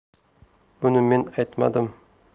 buni men aytmadim